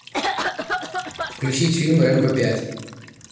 включить фильм рэмбо пять